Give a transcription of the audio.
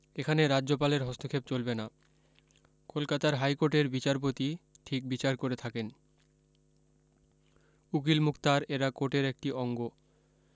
এখানে রাজ্যপালের হস্তক্ষেপ চলবে না কলকাতার হাইকোর্টের বিচারপতি ঠিক বিচার করে থাকেন উকিল মুক্তার এরা কোটের একটি অঙ্গ